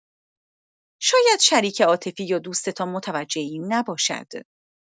شاید شریک عاطفی یا دوستتان متوجه این نباشد.